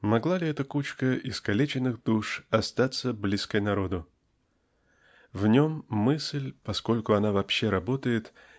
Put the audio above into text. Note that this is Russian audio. Могла ли эта кучка искалеченных душ остаться близкой народу? В нем мысль поскольку она вообще работает